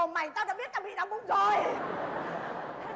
mày tao đã biết tao bị đau bụng rồi